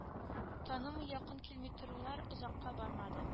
Танымый якын килми торулар озакка бармады